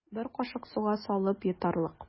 Бер кашык суга салып йотарлык.